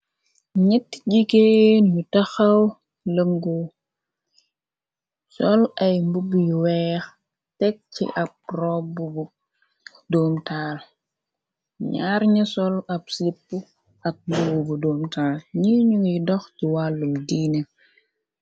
Nett jigee ñu taxaw lëngu sol ay mbub yu weex teg ci ab robb bu doom taal ñaar ña sol ab sipp ak luuwu bu doom taal ni ñuy dox ci wàllul diine